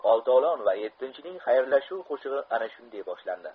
oltovlon va yettinchining xayrlashuv qo'shig'i ana shunday boshlandi